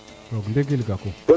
roog ndigil Gakou